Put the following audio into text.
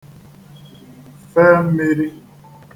fe mmīrī